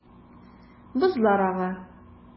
Бозлар ага.